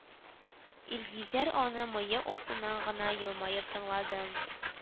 Илгизәр аны мыек астыннан гына елмаеп тыңлады